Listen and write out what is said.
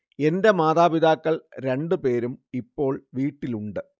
എന്റെ മാതാപിതാക്കൾ രണ്ടുപേരും ഇപ്പോൾ വീട്ടിലുണ്ട്